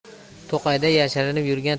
to'qayda yashirinib yurgan